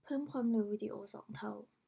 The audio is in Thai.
เพิ่มความเร็ววีดีโอสองเท่า